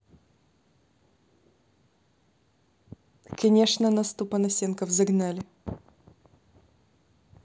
конечно на сто понасенков загнали